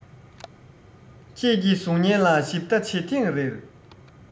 ཁྱེད ཀྱི གཟུགས བརྙན ལ ཞིབ ལྟ བྱེད ཐེངས རེར